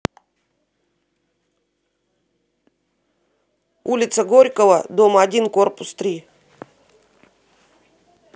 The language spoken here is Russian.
улица горького дом один корпус три